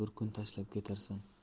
bir kun tashlab ketarsan